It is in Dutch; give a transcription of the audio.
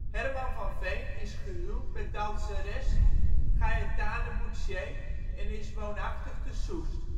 Herman van Veen is gehuwd met danseres Gaëtane Bouchez en is woonachtig te Soest